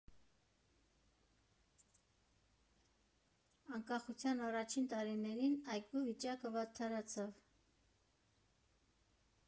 Անկախության առաջին տարիներին այգու վիճակը վատթարացավ։